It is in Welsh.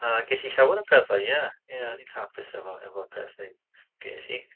Yy, ges i llawer o pethau. Ie, ie... mm ...O'n i'n hapus efo efo'r pethe ges i.